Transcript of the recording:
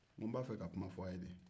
n ko n b'a fɛ ka kuma f'aw ye de